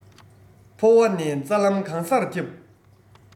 ཕོ བ ཕོ བ ནས རྩ ལམ གང སར ཁྱབ